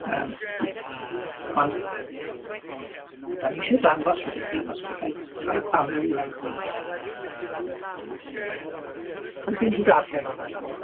Yym ond o'n i isie dangos wrthoch chi, os gallai ca'l y camera i weld hwn, ydych chi'n gallu darllen wnna'n iawn?